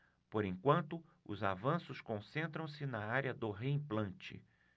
por enquanto os avanços concentram-se na área do reimplante